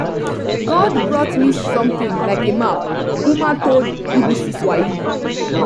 God brought me something like a map, Ouma told BBC Swahili.